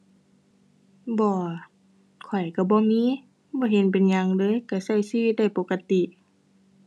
บ่ ข้อยก็บ่มี บ่เห็นเป็นหยังเลยก็ก็ชีวิตได้ปกติ